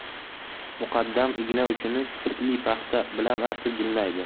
muqaddam igna uchini spirtli paxta bilan artib jilmaydi